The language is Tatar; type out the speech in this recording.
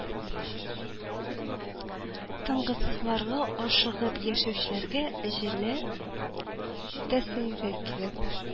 Тынгысызларга, ашыгып яшәүчеләргә әҗәле дә сәеррәк килә